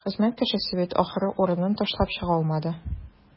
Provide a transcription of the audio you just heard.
Хезмәт кешесе бит, ахры, урынын ташлап чыга алмады.